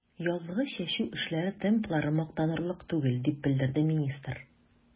Язгы чәчү эшләре темплары мактанырлык түгел, дип белдерде министр.